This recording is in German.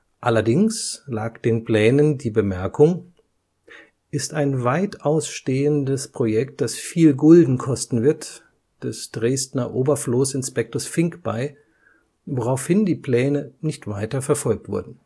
Allerdings lag den Plänen die Bemerkung „ Ist ein weitausstehendes Projekt, das viel Gulden kosten wird. “des Dresdner Oberfloßinspektors Fink bei, woraufhin die Pläne nicht weiter verfolgt wurden